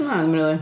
Na, ddim rili.